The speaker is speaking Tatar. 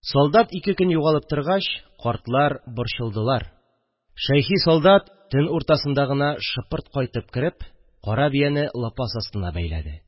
Солдат ике көн югалып торгач, картлар борчылдылар – Шәйхи солдат, төн уртасында гына шыпырт кайтып кереп, кара бияне лапас астына бәйләде